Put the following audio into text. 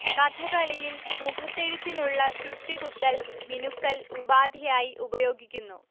കഥകളിയിൽ മുഖത്തെഴുത്തിനുള്ള ചുട്ടികുത്തൽ മിനുക്കൽ ഉപാധിയായി ഉപയോഗിക്കുന്നു